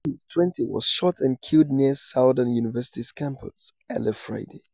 Sims, 20, was shot and killed near Southern University's campus early Friday.